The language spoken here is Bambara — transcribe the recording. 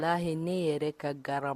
Walahi ne yɛrɛ ka gar